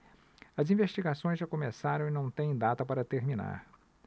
as investigações já começaram e não têm data para terminar